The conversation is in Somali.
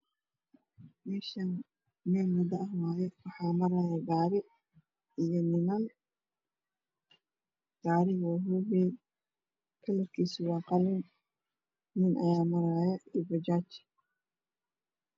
Meeshaani meel wado ah waaye waxaa maraayo gaari iyo niman. gaarigu waa hoomay kalarkiisu waa qalin. Nin ayaa maraayo iyo bajaaj.